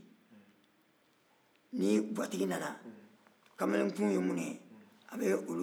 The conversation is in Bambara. ni gwatigi nana kamalenkun ye minnu ye a bɛ olu ta bɔ a dan ma